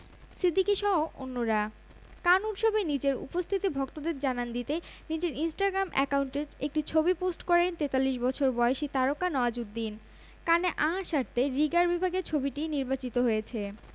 যুগান্তর এর আনন্দনগর প্রতিবেদক হতে সংগৃহীত প্রকাশের সময় ১৪ মে ২০১৮